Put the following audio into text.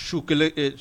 Su 1 e s